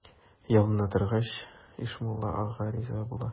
Ялына торгач, Ишмулла ага риза була.